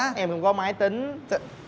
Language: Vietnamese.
em không có máy tính